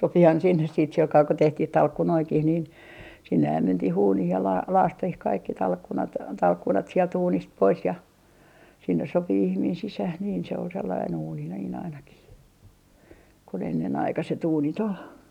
sopihan sinne sitten sillä kalella kun tehtiin talkkunoitakin niin sinnehän mentiin uuniin ja - lakaistiin kaikki talkkunat talkkunat sieltä uunista pois ja sinne sopi ihminen sisään niin se oli sellainen uuni niin ainakin kun ennenaikaiset uunit oli